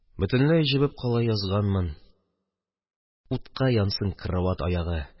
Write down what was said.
Бөтенләй җебеп кала язганмын, утка янсын карават аягы.